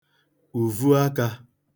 ùvu akā